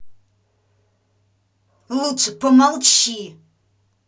лучше помолчи